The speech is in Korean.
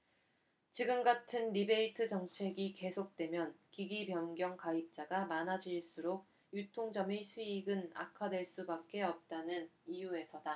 지금같은 리베이트 정책이 계속되면 기기변경 가입자가 많아질수록 유통점의 수익은 악화될 수밖에 없다는 이유에서다